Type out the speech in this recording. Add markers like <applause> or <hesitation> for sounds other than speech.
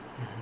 <hesitation> <hesitation>